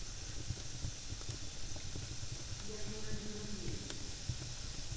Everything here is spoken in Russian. я шура ребенок нежный